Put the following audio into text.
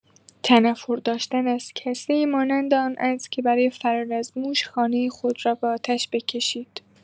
تنفر داشتن از کسی، مانند آن است که برای فرار از موش، خانۀ خود را به آتش بکشید.